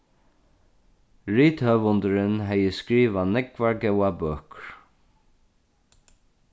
rithøvundurin hevði skrivað nógvar góðar bøkur